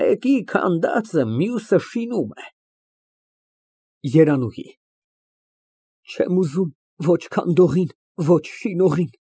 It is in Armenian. Մեկի քանդածը մյուսը շինում է։ ԵՐԱՆՈՒՀԻ ֊ Էհ, չեմ ուզում ոչ քանդողին, ոչ շինողին։